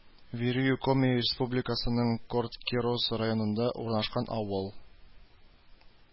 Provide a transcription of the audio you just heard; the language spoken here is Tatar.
Верью Коми Республикасының Корткерос районында урнашкан авыл